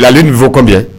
lalenfɔ cobɛn